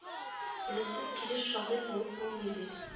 Белемсез килеш шагыйрь булып булмый бит